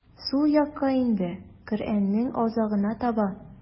Сул якка инде, Коръәннең азагына таба.